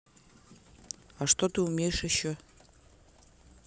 а что ты умеешь еще